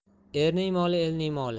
erning moli elning moli